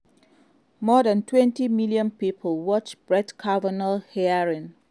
More than 20 million people watched Brett Kavanaugh hearing